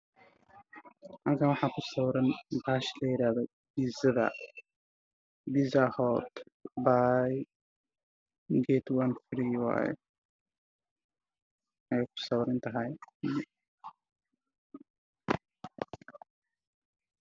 Waa sawir xayeysiis waana biizo midabkiisu yahay jaallo oo ku jira weel waa pizzahoot